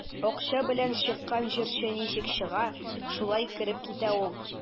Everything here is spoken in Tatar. Акча белән чыккан җырчы ничек чыга, шулай кереп китә ул.